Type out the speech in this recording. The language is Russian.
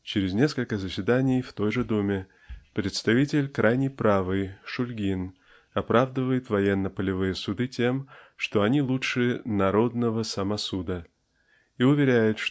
Через несколько заседаний в той же Думе представитель крайней правой Шульгин оправдывает военно-полевые суды тем что они лучше "народного самосуда" и уверяет